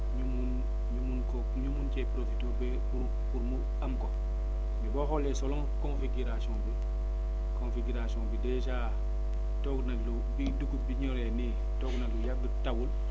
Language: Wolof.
ñu mun ñu mun ko ñu mun cee profiter ba pour pour mu am ko mais boo xoolee selon configuration bi configuration bi dèjà taw na lu bi dugub bi ñoree nii toog na lu yàgg tawul